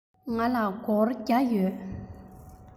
ང ལ སྒོར བརྒྱ ཡོད